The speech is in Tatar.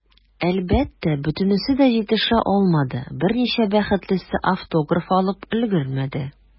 Әлбәттә, бөтенесе дә җитешә алмады, берничә бәхетлесе автограф алып өлгерде.